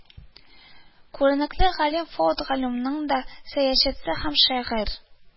Күренекле галим фоат галимуллинның да, сәясәтче һәм шагыйрь